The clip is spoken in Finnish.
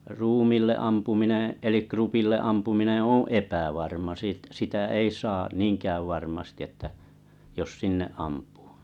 ruumiille ampuminen eli krupille ampuminen on epävarma - sitä ei saa niinkään varmasti että jos sinne ampuu